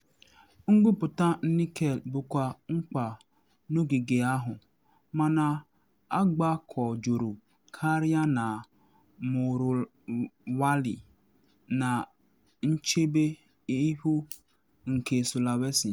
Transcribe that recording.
Ngwụpụta nickel bụkwa mkpa n’ogige ahụ, mana agbakojuru karịa na Morowali, na nchebe ihu nke Sulawesi.